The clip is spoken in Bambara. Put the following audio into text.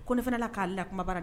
Ko ne fana la k'ale la kumabara